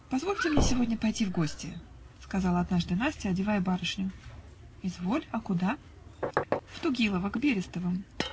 -- Позвольте мне сегодня пойти в гости, -- сказала однажды Настя, одевая барышню. -- Изволь; а куда? -- В Тугилово, к Берестовым.